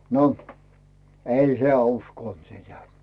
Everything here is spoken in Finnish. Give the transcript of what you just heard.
no ei hän uskonut sitä